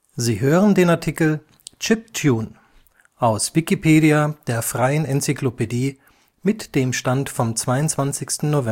Sie hören den Artikel Chiptune, aus Wikipedia, der freien Enzyklopädie. Mit dem Stand vom Der